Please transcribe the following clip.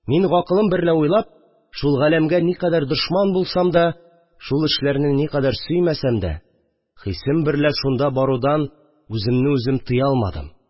Мин, гақылым берлә уйлап, шул галәмгә никадәр дошман булсам да, шул эшләрне никадәр сөймәсәм дә, хисем берлә шунда барудан үземне үземя тыя алмадым